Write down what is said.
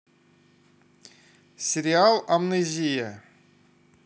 сериал амнезия